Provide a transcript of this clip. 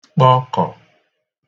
kpọkọ̀